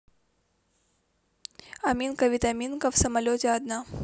аминка витаминка в самолете одна